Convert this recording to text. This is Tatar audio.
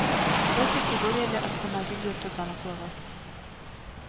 Бэ категорияле автомобиль йөртү таныклыгы